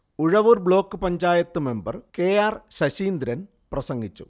Uzhavoor block panchayat member K. R. Sasindran പ്രസംഗിച്ചു